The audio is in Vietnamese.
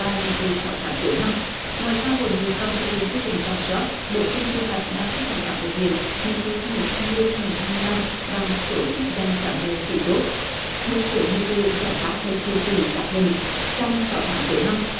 và nhiệm vụ sáu tháng cuối năm ngoài ra hội nghị còn thực hiện quy trình rà soát bổ sung quy hoạch ban chấp hành đảng bộ huyện nhiệm kỳ hai nghìn hai mươi hai nghìn hai mươi lăm và một số chức danh cán bộ chủ chốt một số nhiệm vụ giải pháp được huyện ủy xác định trong sáu tháng cuối năm